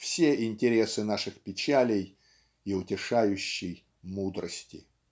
все интересы наших печалей и утешающей мудрости.